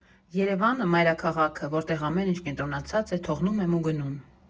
Երևանը՝ մայրաքաղաքը, որտեղ ամեն ինչ կենտրոնացած է, թողնում եմ ու գնում։